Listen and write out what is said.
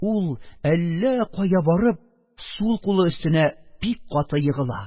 Ул, әллә кая барып, сул кулы өстенә бик каты егыла.